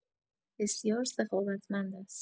بسیار سخاوتمند است.